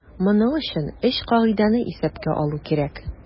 Моның өчен өч кагыйдәне исәпкә алу кирәк.